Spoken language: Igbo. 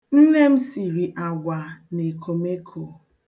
Nne m siri agwa na ekomeko.